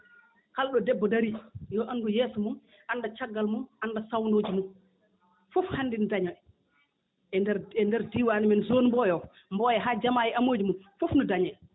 kala ɗo debbo darii yo anndu yeeso mum annda caggal mum annda sawndooji mum fof hannde no dañoo e ndeer e ndeer diiwaan men zone Mboyo o Mboyo ha Jamma e amoji mum fof no dañee